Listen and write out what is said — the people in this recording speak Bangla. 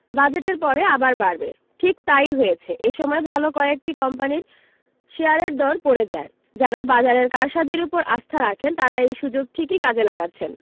বাজেটের পরে আবার বাড়বে ঠিক তা ই হয়েছে এ সময় ভালো কয়েকটি কোম্পানির শেয়ারের দর পড়ে যায় যাঁরা বাজারের কারসাজির ওপর আস্থা রাখেন তাঁরা এই সুযোগ ঠিকই কাজে লাগাচ্ছেন